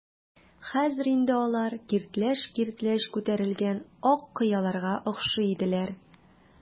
Хәзер инде алар киртләч-киртләч күтәрелгән ак кыяларга охшый иделәр.